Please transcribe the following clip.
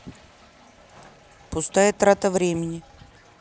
пустая трата времени